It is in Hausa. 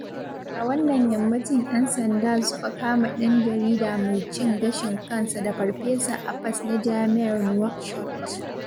A wannan yammacin 'yan sanda suka kama ɗan jarida mai cin gashin kansa da Farfesa Abbass na Jami'ar Nouakchott.